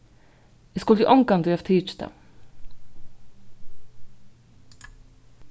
eg skuldi ongantíð havt tikið tað